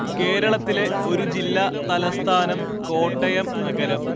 കേരളത്തിലെ ഒരു ജില്ല തലസ്ഥാനം കോട്ടയം നഗരം